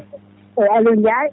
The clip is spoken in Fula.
e Aliou Ndiaye